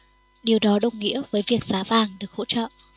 điều đó đồng nghĩa với việc giá vàng được hỗ trợ